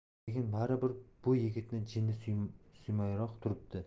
lekin bari bir bu yigitni jini suymayroq turibdi